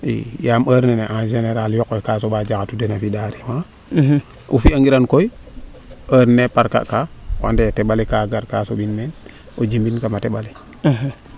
i yaam heure nene en generale yoq we kaa soɓa jaxatu den a findaa de o fiya ngiran koy heure nene parc kaa ande a teɓale ka gar kaa soɓin meen o jimin kama teɓale